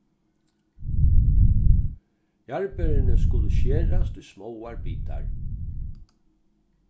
jarðberini skulu skerast í smáar bitar